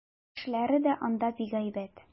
Кешеләре дә анда бик әйбәт.